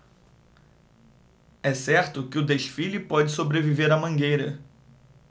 é certo que o desfile pode sobreviver à mangueira